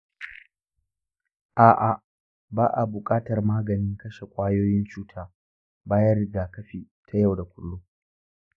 a'a, ba a buƙatar maganin kashe ƙwayoyin cuta bayan rigakafi ta yau da kullum.